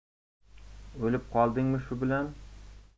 o'lib qoldingmi shu bilan